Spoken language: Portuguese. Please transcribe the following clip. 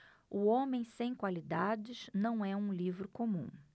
o homem sem qualidades não é um livro comum